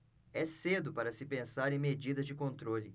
é cedo para se pensar em medidas de controle